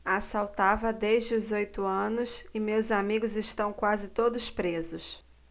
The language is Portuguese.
assaltava desde os oito anos e meus amigos estão quase todos presos